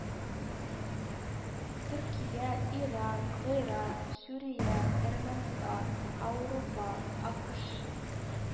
Төркия, Иран, Гыйрак, Сүрия, Әрмәнстан, Аурупа, АКШ